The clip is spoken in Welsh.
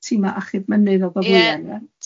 tima achub mynydd ?